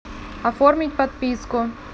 оформить подписку